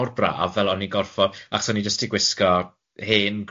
mor braf, fel o'n i gorffod achos o'n i jyst 'di gwisgo hen